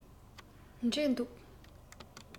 འབྲས འདུག